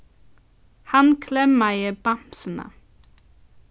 hann klemmaði bamsuna